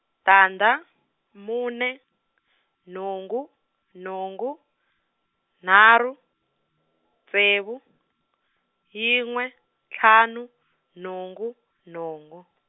tandza, mune, nhungu nhungu, nharu, ntsevu yinwe ntlhanu nhungu nhungu.